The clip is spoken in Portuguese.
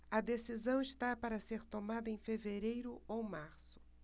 a decisão está para ser tomada em fevereiro ou março